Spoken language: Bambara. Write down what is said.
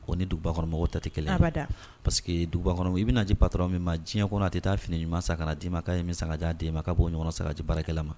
O ni dubakɔnɔmɔgɔ ta tɛ kelen ye; abada; parce que duba kɔnɔ ,i bɛna na di patron min ma diɲɛ kɔnɔ a tɛ taa fini ɲuman san ka na di ma k'a ye min san ka di a den ma ,k'a b'o ɲɔgɔnna san ka di baarakɛla ma;